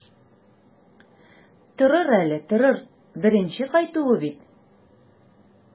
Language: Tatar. Торыр әле, торыр, беренче кайтуы бит.